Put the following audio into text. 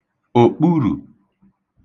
òkpurù